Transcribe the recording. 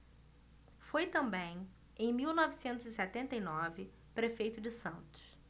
foi também em mil novecentos e setenta e nove prefeito de santos